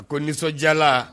Ko nisɔndiyalaa